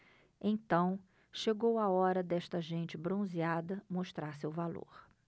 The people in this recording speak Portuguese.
então chegou a hora desta gente bronzeada mostrar seu valor